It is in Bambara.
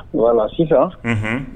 Wala sisan